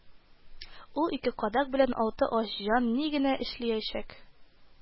Ул ике кадак белән алты ач җан ни генә эшләячәк